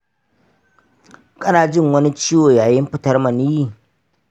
kana jin wani ciwo yayin fitar maniyyi?